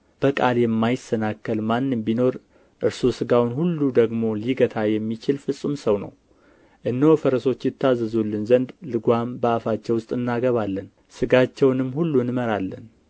በቃል የማይሰናከል ማንም ቢኖር እርሱ ሥጋውን ሁሉ ደግሞ ሊገታ የሚችል ፍጹም ሰው ነው እነሆ ፈረሶች ይታዘዙልን ዘንድ ልጓም በአፋቸው ውስጥ እናገባለን ሥጋቸውንም ሁሉ እንመራለን